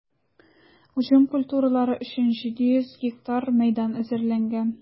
Уҗым культуралары өчен 700 га мәйдан әзерләнгән.